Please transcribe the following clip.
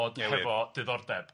hefo diddordeb.